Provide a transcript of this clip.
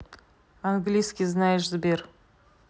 английский знаешь сбер